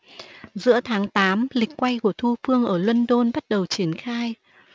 giữa tháng tám lịch quay của thu phương ở london bắt đầu triển khai